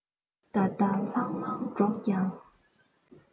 ད ལྟ ལྷང ལྷང སྒྲོག ཀྱང